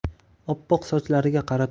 oppoq sochlariga qarab